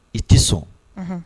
I tɛ sɔn